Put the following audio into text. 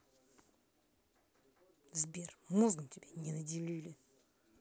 сбер мозгом тебя не наделили